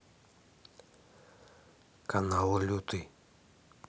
канал лютый